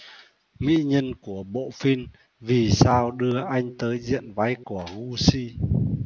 mỹ nhân của bộ phim vì sao đưa anh tới diện váy của gucci